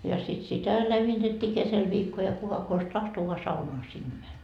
ja sitten sitä lämmitettiin keskellä viikkoa ja kuka konsa tahtoi vain saunaan sinne meni